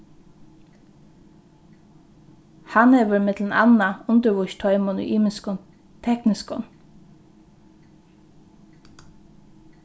hann hevur millum annað undirvíst teimum í ymiskum tekniskum